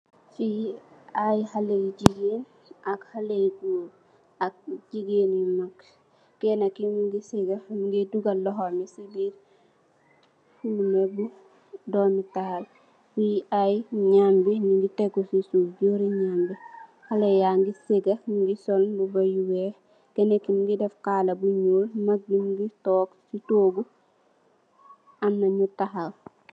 Fi ay haley jigéen ak haley gòor, ak jigeen yu mag. Kenna ki mungi saga, mungi dugal lohom yi ci biir nèbu doomital. Fi ay nyambi nungi tégu ci suuf jorri nyambi. Haley ya ngi saga nungi sol mbuba yu weeh, kenakè mungi def kala bu ñuul. Mag yi nungi toog ci toogu amna nu tahaw.